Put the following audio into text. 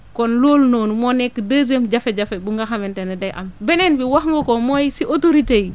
kon loolu noonu moo nekk deuxième jafe-jafe bu nga xamante ne day am beneen bi wax nga ko mooy si autorités yi